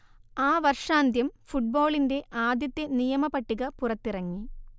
ആ വർഷാന്ത്യം ഫുട്ബോളിന്റെ ആദ്യത്തെ നിയമ പട്ടിക പുറത്തിറങ്ങി